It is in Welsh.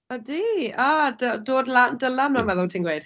Odi. O d- dod lan, Dylan mae'n meddwl ti'n gweud?